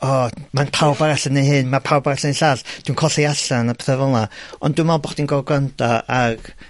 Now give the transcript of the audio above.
o, ma' pawb arall yn neu' hyn. Ma' pawb arall yn neu' llall. Dwi'n colli allan. A petha fel 'na. Ond dwi'n me'wl bo' chdi'n gor'o' grando ag